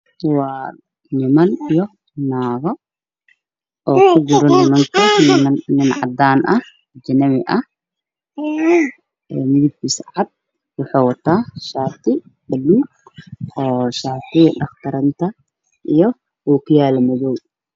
Wahool xaafadiyo dad waxa ay ku fadhiyaan kuraas cadaan waxaa kujiro dhinaca cadaan